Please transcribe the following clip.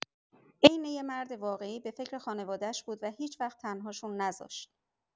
عین یه مرد واقعی به فکر خانوادش بود و هیچ‌وقت تن‌هاشون نذاشت.